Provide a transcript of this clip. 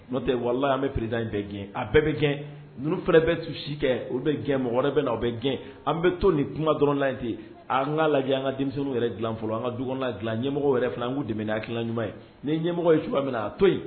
N'o tɛ walala an bɛ pereda in bɛɛ gɛn a bɛɛ bɛ gɛn n fana bɛ tu si kɛ u bɛ gɛn mɔgɔ wɛrɛ bɛ u bɛ gɛn an bɛ to ni kuma dɔrɔn la ten an n' lajɛ an ka denmisɛnninw yɛrɛ dila fɔlɔ an ka dɔgɔn ɲɛmɔgɔ yɛrɛ n' dɛmɛɛna a hakilila ɲuman ye ni ɲɛmɔgɔ ye cogoya min na a to yen